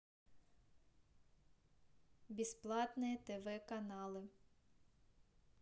бесплатные тв каналы